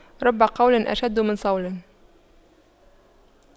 رب قول أشد من صول